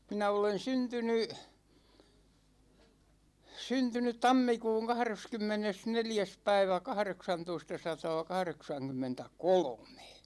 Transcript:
minä olen syntynyt syntynyt tammikuun kahdeskymmenesneljäs päivä kahdeksantoistasataakahdeksankymmentäkolme